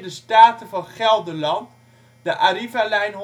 Staten van Gelderland de Arriva-lijn